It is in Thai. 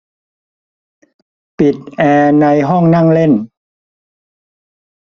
ปิดแอร์ในห้องนั่งเล่น